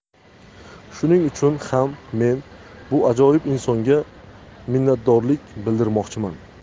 shuning uchun ham men bu ajoyib insonga minnatdorlik bildirmoqchiman